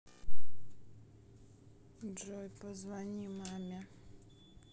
джой позвони маме